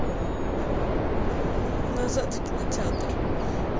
назад в кинотеатр